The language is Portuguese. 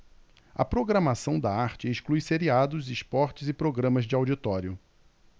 a programação da arte exclui seriados esportes e programas de auditório